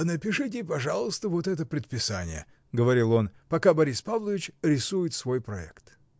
— Напишите, пожалуйста, вот это предписание, — говорил он, — пока Борис Павлович рисует свой проект!